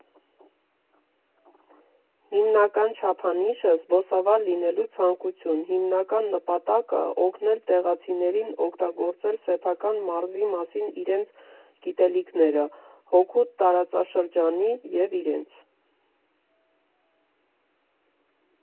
Հիմնական չափանիշը՝ զբոսավար լինելու ցանկություն, հիմնական նպատակը՝ օգնել տեղացիներին օգտագործել սեփական մարզի մասին իրենց գիտելիքները հօգուտ տարածաշրջանի և իրենց։